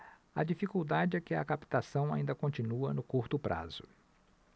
a dificuldade é que a captação ainda continua no curto prazo